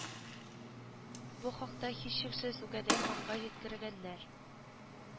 Бу хакта һичшиксез үгәдәй ханга җиткергәннәрнәр